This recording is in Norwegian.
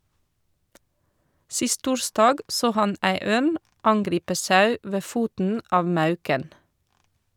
Sist torsdag så han ei ørn angripe sau ved foten av Mauken.